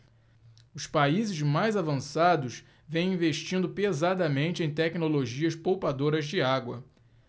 os países mais avançados vêm investindo pesadamente em tecnologias poupadoras de água